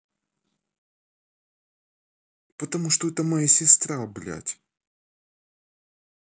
потому что это моя сестра блядь